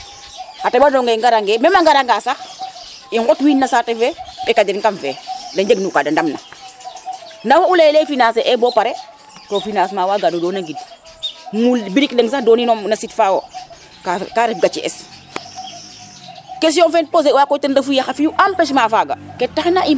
xa teɓanonga ke ngara nge meme a ngara nga sax o xot win no saate fe ɓeka den kam fe de njeg ka de ndam na ma u leya financer e bo pare to financement waga no dona ngid muul brique leng sax donino no sit fa wo ka ref gaci es question fe poser wa koy ten refu ye xa fiyu empeche faga ke tax na